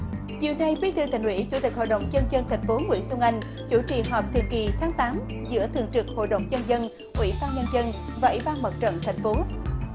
chiều nay bí thư tỉnh ủy chủ tịch hội đồng nhân dân thành phố nguyễn xuân anh chủ trì họp thường kỳ tháng tám giữa thường trực hội đồng nhân dân ủy ban nhân dân và ủy ban mặt trận thành phố